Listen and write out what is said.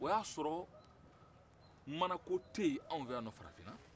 o y'a sɔrɔ mana ko tɛ ye an fɛ yan farafinna